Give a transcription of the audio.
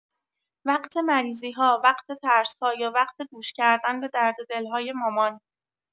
وقت مریضی‌ها، وقت ترس‌ها یا وقت گوش کردن به درددل‌های مامان.